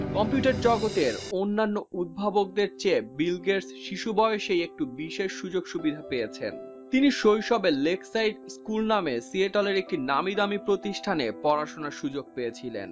computer জগতের অন্যান্য উদ্ভাবকের চেয়ে বিল গেটস শিশু বয়সেই একটু বিশেষ সুযোগ সুবিধা পেয়েছেন তিনি শৈশবে লেকসাইড স্কুল নামে সিয়াটলের একটি নামিদামি প্রতিষ্ঠানে পড়াশোনার সুযোগ পেয়েছিলেন